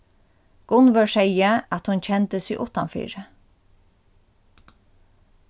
gunnvør segði at hon kendi seg uttanfyri